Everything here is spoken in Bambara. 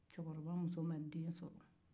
cɛkɔrɔba muso ma den sɔrɔ